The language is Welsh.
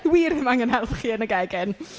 Wir ddim angen help chi yn y gegin.